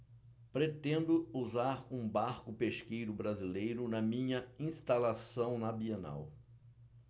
pretendo usar um barco pesqueiro brasileiro na minha instalação na bienal